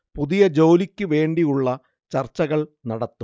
പുതിയ ജോലിക്ക് വേണ്ടി ഉള്ള ചര്‍ച്ചകൾ നടത്തും